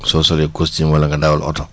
soo solee costume wala nga dawal oto